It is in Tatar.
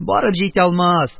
Барып җитә алмас,